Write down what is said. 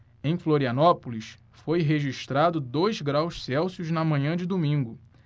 em florianópolis foi registrado dois graus celsius na manhã de domingo